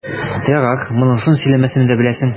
Ярар, монысын сөйләмәсәм дә беләсең.